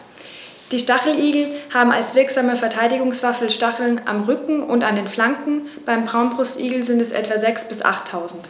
Die Stacheligel haben als wirksame Verteidigungswaffe Stacheln am Rücken und an den Flanken (beim Braunbrustigel sind es etwa sechs- bis achttausend).